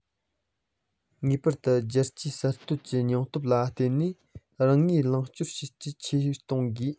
ངེས པར དུ བསྒྱུར བཅོས གསར གཏོད ཀྱི སྙིང སྟོབས ལ བརྟེན ནས རང ངོས ལེགས སྐྱོང བྱེད ཤུགས ཇེ ཆེར གཏོང དགོས